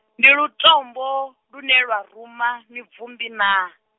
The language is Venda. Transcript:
ndi lutombo, lune lwa ruma, mibvumbi naa?